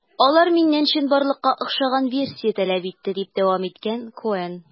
Алар миннән чынбарлыкка охшаган версия таләп итте, - дип дәвам иткән Коэн.